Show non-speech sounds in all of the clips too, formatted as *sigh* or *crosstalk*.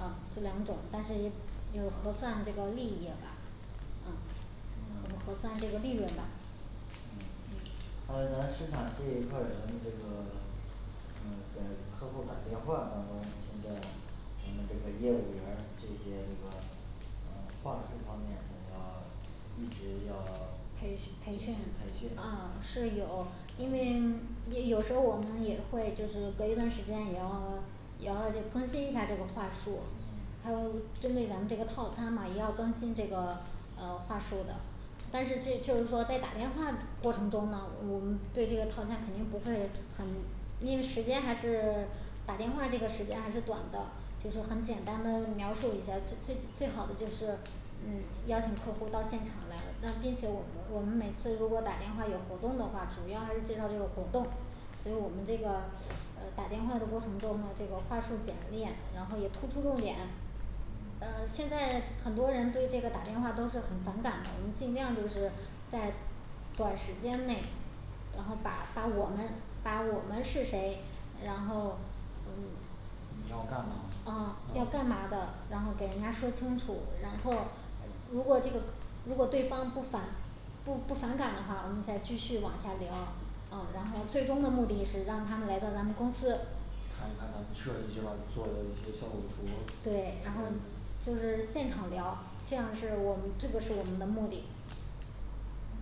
嗯，这两种，但是有核算这个利益吧，嗯嗯，核算这个利润吧。 嗯嗯嗯还有咱市场这一块儿，咱们这个 *silence* 呃给客户儿打电话，咱们现在咱们这个业务员儿这些那个呃话术方面咱要一直要培培训培啊训，是有因嗯为呃有时候儿我们也会就是隔一段时间也要也要这更新一下儿这个话术，还有就针对咱们这个套餐嘛也要更新这个呃话术的。但是这就是说在打电话过程中呢，我们对这个套餐肯定不会很，因为时间还是 *silence* 打电话这个时间还是短的，就是很简单的描述一下最最最好的就是嗯邀请客户儿到现场来，那并且我们我们每次如果打电话有活动的话，主要还是介绍这个活动。所以我们这个呃打电话的过程中呢，这个话术简练，然后也突出重点。嗯呃现在很多人对这个打电话都是很反感的，我们尽量就是在短时间内，然后把把我们把我们是谁，然后呃，嗯，你要干嘛啊要干嘛的，然后给人家说清楚，然后嗯如果这个如果对方不反不不反感的话，我们再继续往下聊，嗯，然后最终的目的是让他们来到咱们公司，看一看咱们设计这块儿做的一些效果图对，然后就是现场聊，这样是我们这个是我们的目的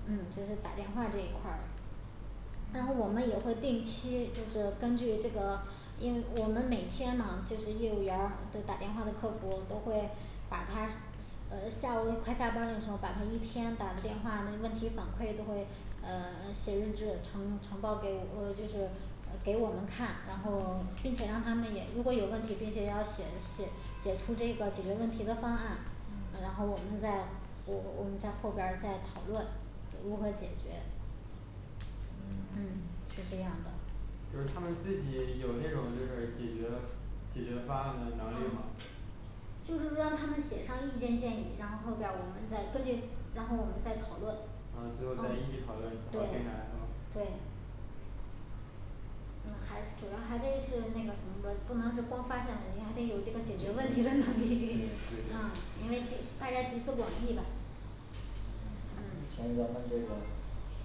嗯，这是打电话这一块儿然后嗯我们也会定期就是根据这个，因为我们每天嘛就是业务员儿的打电话的客服都会把他呃下午快下班儿的时候儿把他一天打的电话，那问题反馈都会呃写日志呈呈报给我，呃就是呃给我们看，然后并且让他们也如果有问题，并且要写写写出这个解决问题的方案，呃然嗯后我们在我我们在后边儿再讨论如何解决嗯。嗯是这样的。就是他们自己有那种就是解决解决方案的能力吗嗯就是让他们写上意见建议，然后后边儿我们再根据，然后我们再讨论，呃嗯，最后再一起讨论然后对定下来是吧对嗯，还主要还得是那个什么的，不能是光发现，肯定还得有这个解决问题解决的能对力对。*noise* 对呃因为集大家集思广益吧嗯，以嗯前咱们这个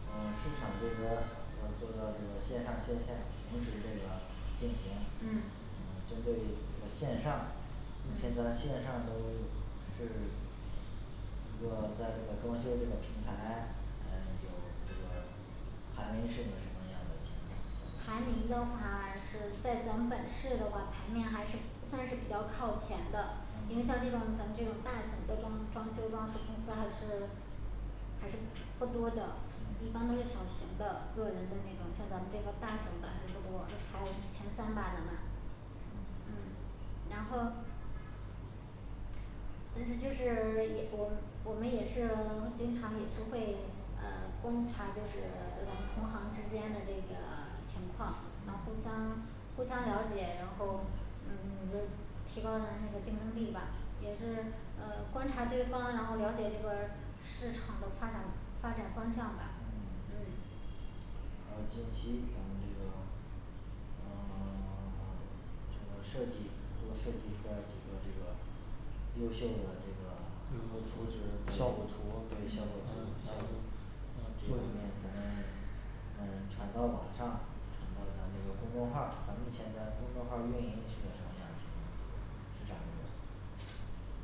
呃市场这边儿有这个这个线上线下同时这个进行呃嗯针对这个线上，目前嗯咱线上都是。一个在这个装修这个平台，呃有这个排名是个什么样的情况？排名的话是在咱们本市的话，排名还是算是比较靠前的。因为嗯像这种咱们这种大型的装装修装饰公司还是还是不多的，一嗯般都是小型的个人的那种，像咱们这个大型的还是不多，就排前三吧咱们嗯，嗯然后但是就是 *silence* 也我我们也是 *silence* 经常也是会呃观察就是 *silence* 咱们同行儿之间的这个情况，然后嗯互相互相了解，然后呃嗯就提高人那个竞争力吧，也是呃观察对方，然后了解这个市场的发展发展方向吧嗯嗯然后近期咱们这个呃 *silence* 这个设计都设计出来几个这个优秀的这个优秀的图纸，效果图对，效果嗯，效图果图这方面咱们嗯传到网上，传到咱们这个公众号儿，咱目前咱公众号儿运营是个什么样的情况这边儿？市场这边儿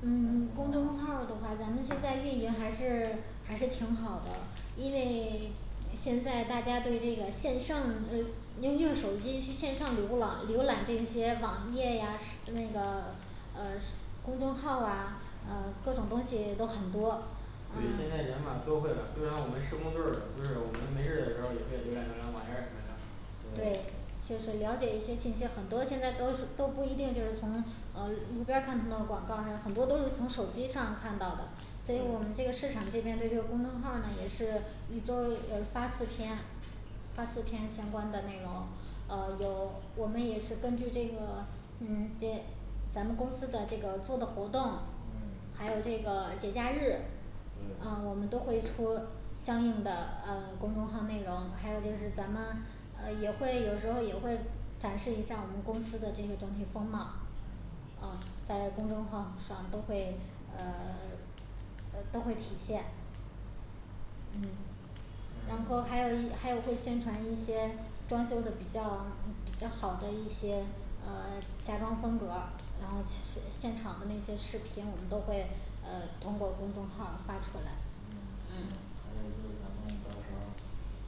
嗯，公众号儿的话咱们现在运营还是 *silence* 还是挺好的，因为 *silence* 现在大家对这个线上呃用用手机去线上浏览浏览这些网页呀是，那个呃是公众号儿啊啊嗯各种东西都很多对，现在人嗯上网都会了，就像我们施工队儿，就是我们没事儿的时候儿也可以浏览网页儿什么的对对，就是了解一些信息很多现在都是都不一定就是从呃路边儿看到的广告儿，很多都是从手机上看到的。所以我们这个市场这边对这个公众号儿呢也是一周儿呃发四篇发四篇相关的内容呃有 *silence* 我们也是根据这个嗯这咱们公司的这个做的活动，嗯还有这个节假日啊对我们都会出相应的呃公众号儿内容，还有就是咱们呃也会有时候儿也会展示一下我们公司的这个整体风貌，嗯啊，在公众号儿上都会呃 *silence* 呃都会体现嗯然后还有一还有会宣传一些装修的比较嗯比较好的一些呃家装风格儿，然后其实现场的那些视频我们都会呃通过公众号儿发嗯，嗯出来，行，所嗯以就是咱们到时候儿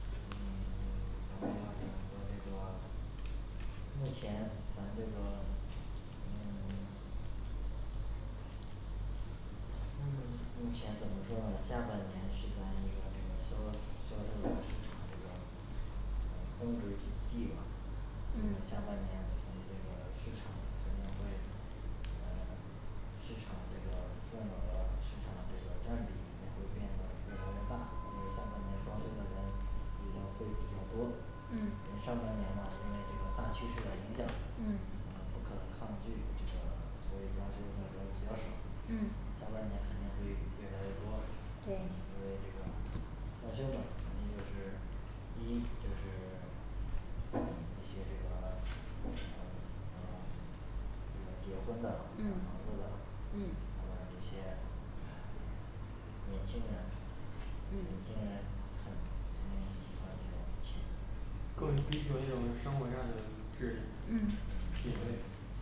嗯 *silence* 咱们要整一个这个，目前咱这个嗯 *silence* 目嗯前怎么说呢下半年是咱一个这个销销售市场这个呃增值季吧，下嗯半年咱们这个市场肯定会呃市场这个份额市场这个占比可能会变得越来越大，因为下半年装修的人应该会比较多嗯呃上半年呢因为这个大趋势的影响，咱嗯不可抗拒，这个所以装修的人比较少，嗯下半年可能会越来越多，对因为这个装修嘛，咱们就是第一就是一些这个呃 *silence* 呃这个结婚的买房嗯子的他们嗯这些嗯年轻人，年轻嗯人很肯定喜欢这种像更追求一种生活上的这质个量品嗯品味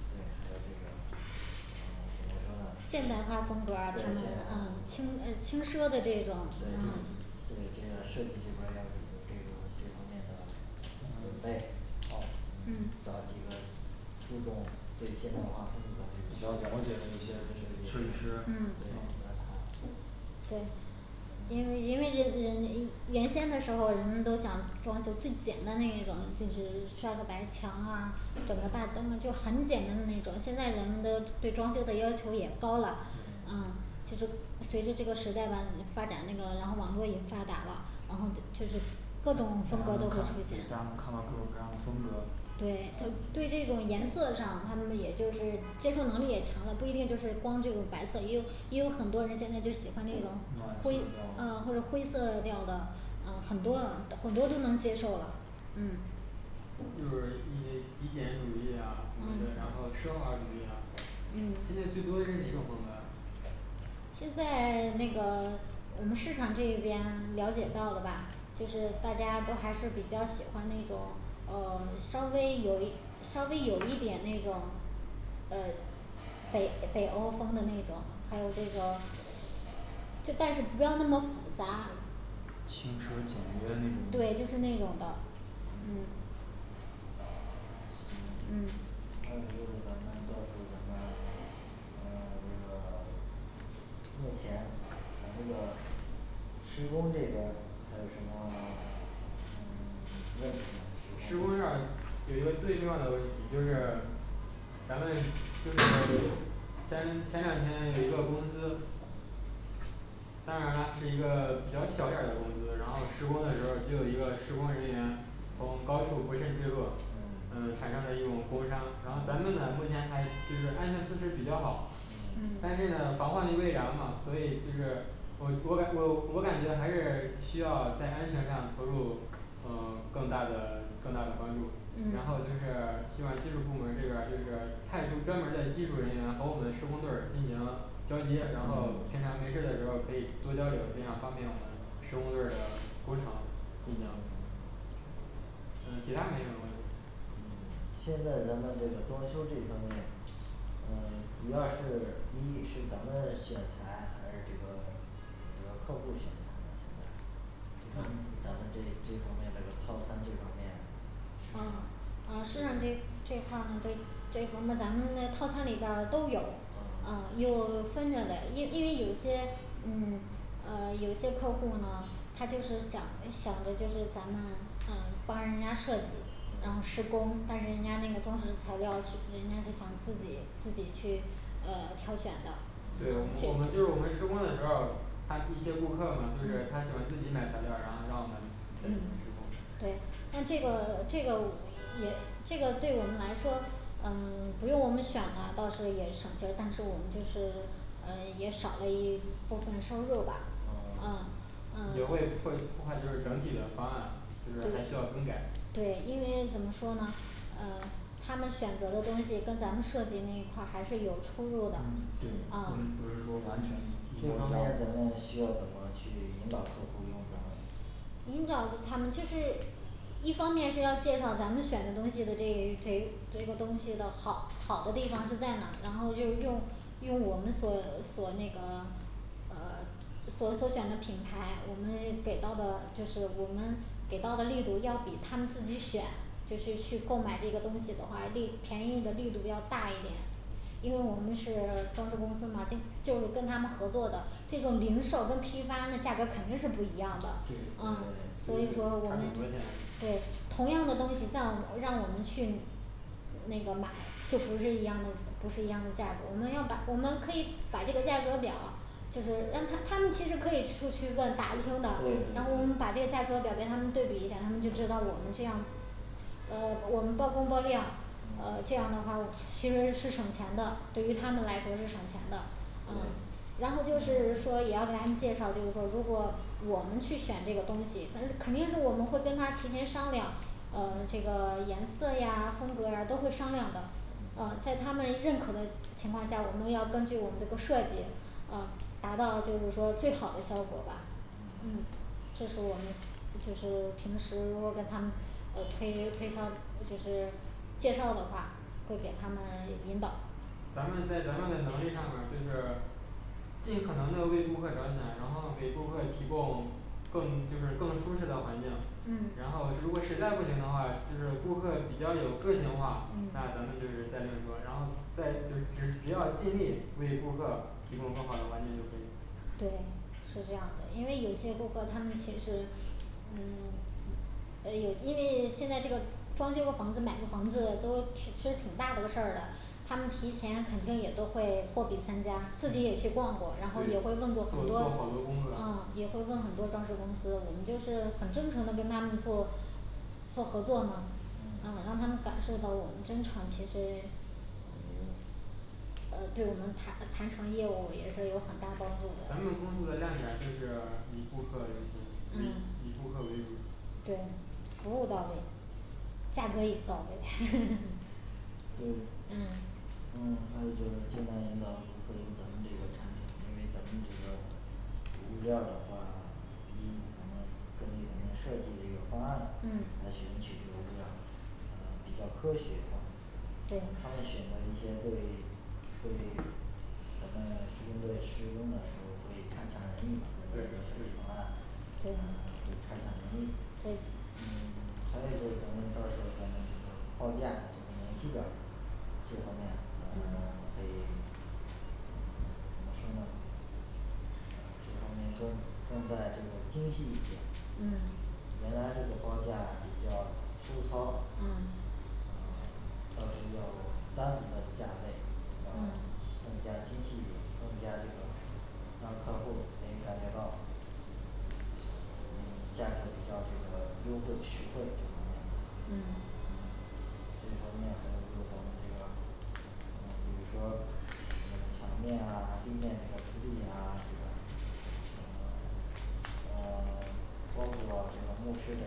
对还有这个呃怎么说呢，现代化风格儿，他们的嗯，轻呃轻奢的这种嗯对这个设计这块儿要有这个这方面的准嗯备好找嗯几个注重对现代化风格儿比这较个了解的一些，设设计计师师嗯对让他对因为因为人人人原先的时候儿人们都想装修最简单的那一种就是刷个白墙啊，整个大灯啊就很简单的那种，现在人们的对装修的要求也高了。嗯嗯就是随着这个时代吧发展，那个然后网络也发达了然后呢就是各种风格都会然后对出现，大家能看到各种各样的风格对，他对这种颜色上他们也就是接受能力也强了，不一定就是光这个白色，也有也有很多人现在就喜欢那种灰啊或者灰色的调的啊，很多啊很多都能接受了，嗯就是一些极简主义啊什么的嗯然后奢华主义啊现嗯在最多是哪种风格儿啊现在 *silence* 那个 *silence* 我们市场这边 *silence* 了解到的吧就是大家都还是比较喜欢那种呃 *silence* 稍微有一稍微有一点那种呃北诶北欧风的那种还有这个呃这但是不要那么复杂轻奢简约。那种对就是那种的。嗯嗯行，嗯还有就是咱们到时候儿咱们嗯这个目前咱这个施工这边儿还有什么嗯 *silence* 问题吗？施施工工这儿有一个最重要的问题，就是咱们就是我前前两天有一个公司当然他是一个比较小点儿的公司，然后施工的时候儿就有一个施工人员嗯从高处不慎坠落，嗯呃产生了一种工伤，然后咱们呢目前还就是安全措施比较好嗯，但嗯是呢防患于未然嘛，所以就是我我感我我感觉还是需要在安全上投入呃更大的更大的关注嗯然后就是希望技术部门儿这边儿就是派出专门儿的技术人员和我们施工队儿进行交接，然后平嗯常没事儿的时候儿可以多交流，这样方便我们施工队儿的工程进行。嗯其他没什么问题。嗯，现在咱们这个装修这方面呃主要是一是咱们选材还是这个这个客户儿选材呢现在啊咱这这方面儿这个套餐这方面，市啊场呃市场这这块儿呢对这方面咱们的那套餐里边儿都有啊嗯有分着的，因因为有一些嗯呃有些客户儿呢他就是想想着就是咱们呃帮人家设计，然后施嗯工，但是人家那个装饰材料需， *unintelligible* 人家就想自己自己去呃挑选的对我们工就程就就是我们施工的时候儿，他一些顾客儿嘛就是嗯他喜欢自己买材料儿然后让我们再去施工对那这个这个我 *unintelligible* 也这个对我们来说呃不用我们选了到时侯儿也省劲儿，但是我们就是呃也少了一部分收入吧，嗯，嗯嗯嗯也会破破坏就是整体的方案就是还需要更改对，因为怎么说呢？呃他们选择的东西跟咱们设计那一块儿还是有出入嗯的，对，，不啊能不是说完全一这模一方面儿咱样们需要怎么去引导客户儿用咱们引导着他们就是一方面是要介绍咱们选的东西的这这这个东西的好好的地方是在哪，然后就用用我们所呃所那个呃 *silence* 所所选的品牌，我们给到的就是我们给到的力度要比他们自己选就是去购买这个东西的话，力便宜的力度要大一点因为我们是装饰公司嘛就就跟他们合作的这种零售跟批发那价格肯定是不一样的，对嗯对，就所以说差我们很，多钱对同样的东西在我们让我们去呃那个买就不是一样的不是一样的价格，我们要把我们可以把这个价格表就是让他他们其实可以出去问打听的对，然后对我们对把这个价格表给他们对比一下，他们就知道我们这样呃我们包工包量呃嗯这样的话我其实是省钱的，对于他们来说是省钱的。嗯对， 然后就是嗯说也要给他们介绍，就是说如果我们去选这个东西，那是肯定是我们会跟他提前商量呃这个颜色呀风格呀都会商量的。嗯呃，在他们认可的情况下，我们要根据我们的这设计啊达到就是说最好的效果吧。嗯嗯，这是我们就是平时如果跟他们呃推推销呃就是介绍的话，会给他们引导咱们在咱们的能力上面儿就是尽可能的为顾客儿着想，然后给顾客儿提供更就是更舒适的环境。然嗯后如果实在不行的话，就是顾客儿比较有个性化嗯，那咱们就是再另说，然后再就是只只要尽力为顾客儿提供更好的环境就可以。对，是这样的，因为有些顾客他们其实嗯呃有因为现在这个装修房子买个房子都挺其实挺大的一个事儿的，他们提前肯定也都会货比三家，自己也嗯去逛过，然后也会对问过做很做多好多工，作嗯也会问很多装饰公司，我们就是很真诚的跟他们做做合作嘛，嗯嗯让他们感受到我们正常其实嗯 *silence* 嗯呃对我们谈呃谈成业务也是有很大帮助的咱，们公司的亮点就是以顾客为中心嗯，以以顾客为主。对。服务到位，价格也到位 *noise* 对嗯嗯还有就是尽量引导顾客用咱们这个产品，因为咱们这个物料儿的话，一咱们根据咱们设计这个方案，嗯来选取这个物料儿，呃比较科学化他对们选择一些对对。咱们施工队施工的时候儿会差强人意，我对们的设计对方案，呃，对会差强人意，嗯对还有就是咱们到时候咱们这个报价这个明细表儿这方面嗯嗯可以嗯怎么说呢这方面更重在这种精细一点。嗯原来这个报价比较粗糙嗯呃到时候儿要单独的价位，要嗯更加精细一点，更加这个让客户儿可以感觉到嗯价格比较这个优惠实惠这方面。嗯嗯，这方面可能对咱们这个嗯比如说嗯墙面啊地面这个处理呀，这个嗯 *silence* 嗯 *silence* 包括这个木质这个，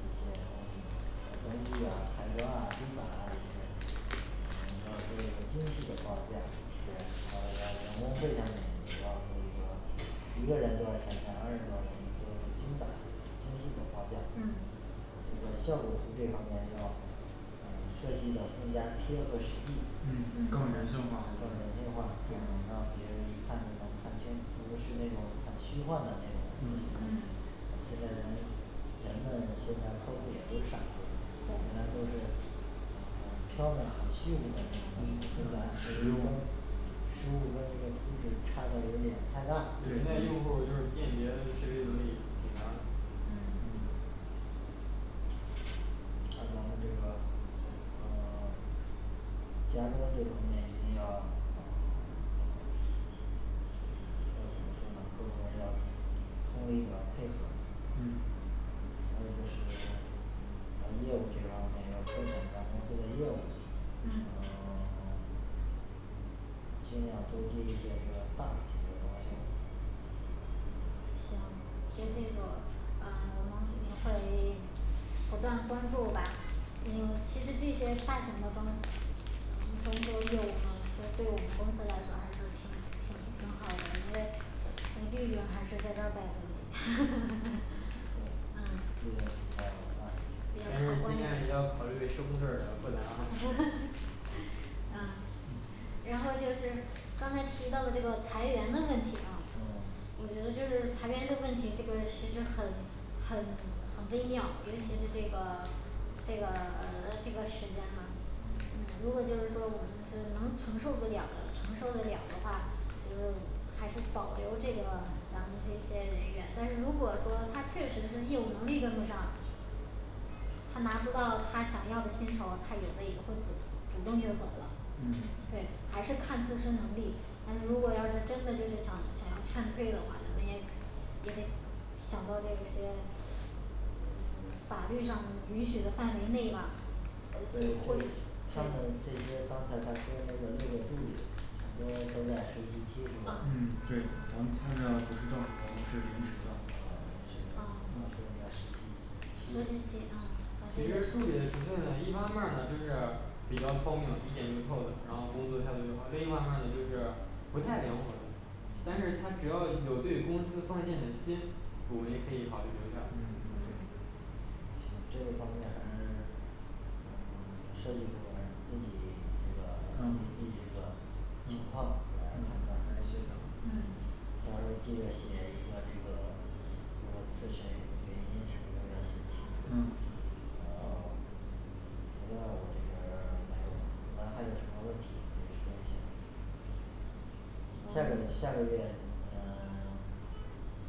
这些东西，呃灯具啊开关啊地板啊这些，嗯我们要做一个精细的报价嗯在人是工费上面也要做一个，一个人多少钱两个人多少钱做一个精打精细的报价嗯这个效果图这方面要呃设计的更加贴合实际嗯更嗯人性化更人性化，这样嗯让别人一看就能看清楚，不是那种很那种虚幻的那种的。嗯呃现在人人们现在客户也都不傻子，原来对都是很飘渺的很虚无嗯的不咋对实用实物和那个图纸差的有点儿太大，人家用嗯户儿就是辨别识别能力挺强，嗯嗯那咱们这个，呃 *silence* 加工这方面一定要要要怎么说呢各部门儿的通力的配合嗯。还有就是咱业务这方面要扩展咱公司的业务，然后啊嗯尽量多接一些这个大型的装修。行。 像这种呃我们这边会不断关注吧嗯，其实这些大型的装嗯装修业务呢其实对对我们公司来说还是挺挺挺好的，因为呃这个利润还是在这儿摆着嘞 *noise* 啊就要这种嗯方式但是尽量也要考虑施工队儿的困难啊 *noise* 嗯然后就是刚才提到的这个裁员的问题啊嗯我觉得就是裁员的问题这个其实很很很微妙，尤其是这个这个呃这个时间嘛嗯，如果就是说我们是能承受的了承受的了的话，就是还是保留这个咱们这些人员，但是如果说他确实是业务能力跟不上他拿不到他想要的薪酬，他有的也会主主动就走了，嗯对，还是看自身能力，但是如果要是真的就是想要想要劝退的话，咱们也也得想到这些嗯 *silence* 法律上允许的范围内吧呃这对也会这他们这对些刚才他说的那个六个助理很多都在实习期是啊吧嗯，对，咱们签的不是正式合同是临时嗯，临时的都的。啊处实在习实期习嗯但其是实助理也是存在呢一方面儿呢就是比较聪明一点就透的然后工作态度也好，另一方面儿呢就是不太灵活的，但是嗯他只要有对公司奉献的心，我们也可以考虑留下嗯嗯行这一方面还是呃设计部门儿自己这个根据自嗯己这个嗯情嗯况来来判来断。协调嗯到时候儿记得写一个这个这辞职的原因是一定要写清嗯楚。然后别的我这边儿没有了。你们还有什么问题可以可以说一下儿？下个月下嗯 *silence* 个月呃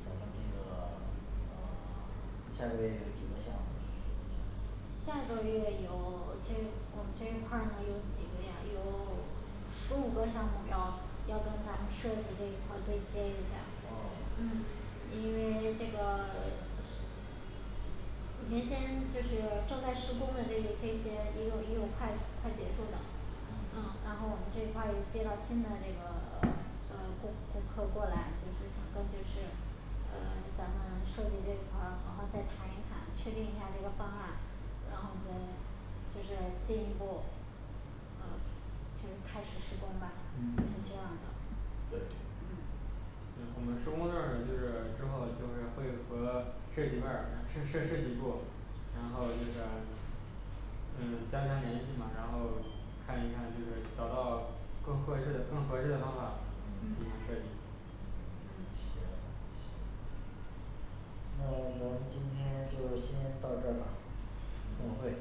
咱们这个呃呃下个月有几个项目儿，下个月有这我们这一块儿呢有几个呀有 *silence* 十五个项目标要跟咱们设计这一块儿对接一下儿，哦嗯因为这个 *silence* 嗯原先就是正在施工的这这些也有也有快快结束的，嗯嗯，然后我们这一块儿又接到新的这个呃顾顾客过来，就是想跟就是呃 *silence* 咱们设计这一块儿好好再谈一谈，确定一下这个方案，然后再就是进一步呃就是开始施工吧，就是这样嗯的。对嗯就我们施工队儿呢就是之后就是会和设计队儿设设设计部，然后就是嗯加强联系嘛，然后看一看就是找到更合适更合适的方法进行嗯设计嗯嗯行那咱们今天就先到这儿吧，散行会